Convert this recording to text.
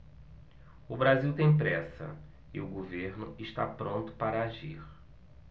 o brasil tem pressa e o governo está pronto para agir